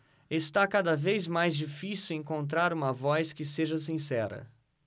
está cada vez mais difícil encontrar uma voz que seja sincera